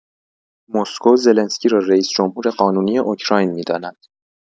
مسکو، زلنسکی را رئیس‌جمهور قانونی اوکراین می‌داند.